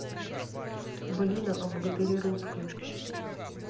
былина о богатыре русской